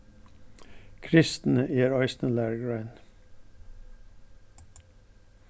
kristni er eisini lærugrein